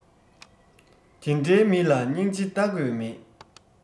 དེ འདྲའི མི ལ སྙིང རྗེ ལྟ དགོས མེད